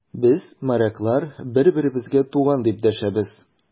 Без, моряклар, бер-беребезгә туган, дип дәшәбез.